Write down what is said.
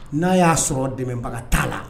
N'a y'a sɔrɔ dɛmɛbaga t'a la